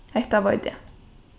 hetta veit eg